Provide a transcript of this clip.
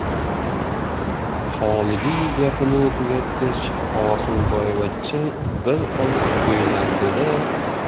xolidiy gapini tugatgach hosilboyvachcha bir oz o'ylandi da